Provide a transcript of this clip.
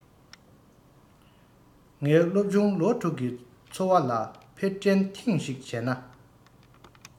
ངའི སློབ ཆུང ལོ དྲུག གི འཚོ བ ལ ཕྱིར དྲན ཐེངས ཤིག བྱས ན